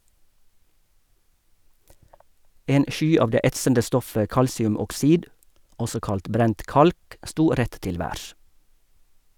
En sky av det etsende stoffet kalsiumoksid, også kalt brent kalk, sto rett til værs.